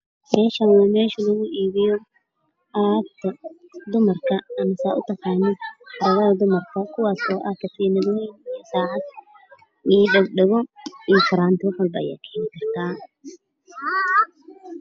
Meeshaan waa meel lagu iibiyaa laabta dumarka waxaa yaalla saakooyin kala duwan masaro kala duwan iyo kaba kala duwan oo isku ekeyn